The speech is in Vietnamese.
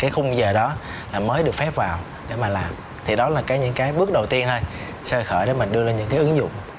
cái khung giờ đó là mới được phép vào để mà làm thì đó là cái những cái bước đầu tiên thôi sơ hở để mình đưa ra những cái ứng dụng